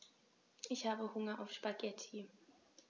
Ich habe Hunger auf Spaghetti.